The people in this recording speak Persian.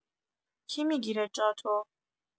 کی می‌گیره جاتو؟